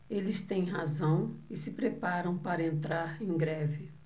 eles têm razão e se preparam para entrar em greve